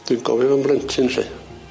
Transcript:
Dwi'n gofio fo'n blentyn 'lly.